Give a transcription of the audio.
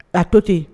Ka to ten